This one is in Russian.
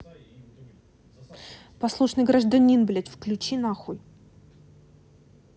послушный гражданин блядь включи нахуй